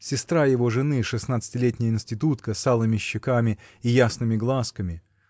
сестра его жены, шестнадцатилетняя институтка с алыми щеками и ясными глазками